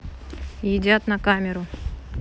едят на камеру